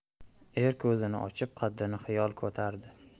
er ko'zini ochib qaddini xiyol ko'tardi